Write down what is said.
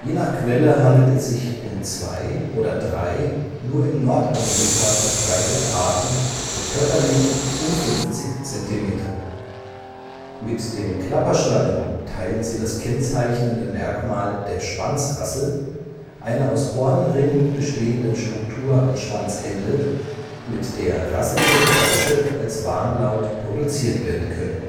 nach Quelle handelt es sich um zwei oder drei nur in Nordamerika verbreitete Arten mit Körperlängen um 50 Zentimeter. Mit den Klapperschlangen (Crotalus) teilen sie das kennzeichnende Merkmal der Schwanzrassel, einer aus Hornringen bestehenden Struktur am Schwanzende, mit der rasselnde Geräusche als Warnlaut produziert werden können